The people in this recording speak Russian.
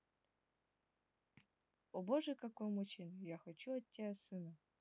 о боже какой мужчина я хочу от тебя сына